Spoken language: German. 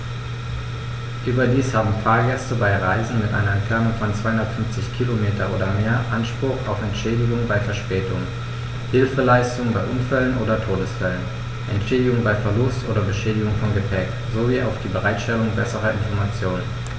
Überdies haben Fahrgäste bei Reisen mit einer Entfernung von 250 km oder mehr Anspruch auf Entschädigung bei Verspätungen, Hilfeleistung bei Unfällen oder Todesfällen, Entschädigung bei Verlust oder Beschädigung von Gepäck, sowie auf die Bereitstellung besserer Informationen.